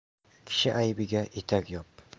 kishi aybiga etak yop